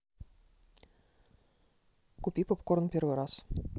купить попкорн первый раз